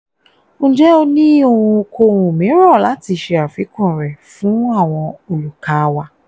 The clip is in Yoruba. Ǹjẹ́ o ní ohunkóhun mìíràn láti ṣe àfikún rẹ̀ fún àwọn olùkà wa?